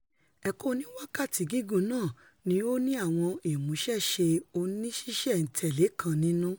ẹ̀kọ oni wákàtí gígùn ́náà ní oni àwọn ìmùṣẹ́ṣe oníṣíṣẹ̀-n-tẹ̀lé kan nínú.